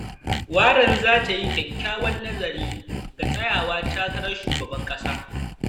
Warren za ta yi "kyakkyawan nazari" ga Tsayawa takarar Shugaban kasa